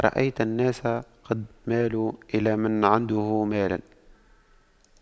رأيت الناس قد مالوا إلى من عنده مال